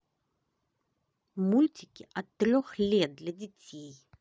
мультики от трех лет для детей